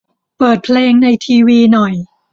เปิดเพลงในทีวีหน่อย